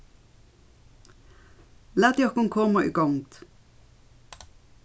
latið okkum koma í gongd